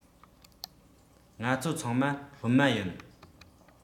ང ཚོ ཚང མ སློབ མ ཡིན